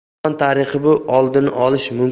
jahon tarixi bu oldini olish